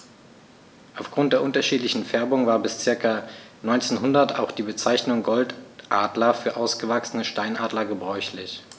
Auf Grund der unterschiedlichen Färbung war bis ca. 1900 auch die Bezeichnung Goldadler für ausgewachsene Steinadler gebräuchlich.